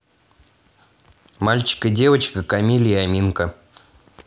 мальчик и девочка камиль и аминка